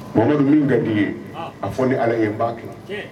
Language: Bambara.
Mamadu min ka di ye a fɔ ni ala ye n ba kɛ